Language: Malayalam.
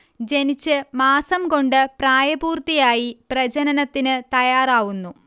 ജനിച്ച് മാസം കൊണ്ട് പ്രായപൂർത്തിയായി പ്രജനനത്തിന് തയ്യാറാവുന്നു